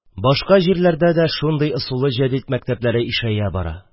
Башка җирләрдә дә шундый ысулы җәдидә мәктәпләре ишәя бара.